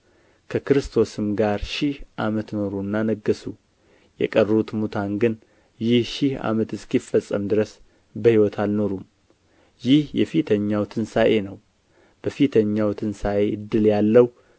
ከክርስቶስም ጋር ሺህ ዓመት ኖሩና ነገሡ የቀሩቱ ሙታን ግን ይህ ሺህ ዓመት እስኪፈጸም ድረስ በሕይወት አልኖሩም ይህ የፊተኛው ትንሣኤ ነው በፊተኛው ትንሣኤ ዕድል ያለው